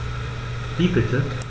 Wie bitte?